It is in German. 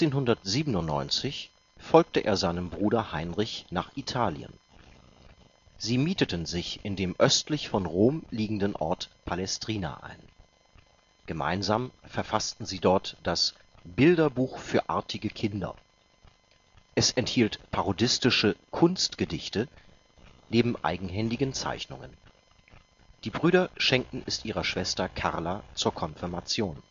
1897 folgte er seinem Bruder Heinrich nach Italien. Sie mieteten sich in dem östlich von Rom liegenden Ort Palestrina ein. Gemeinsam verfassten sie dort das Bilderbuch für artige Kinder. Es enthielt parodistische „ Kunstgedichte “neben eigenhändigen Zeichnungen. Die Brüder schenkten es ihrer Schwester Carla zur Konfirmation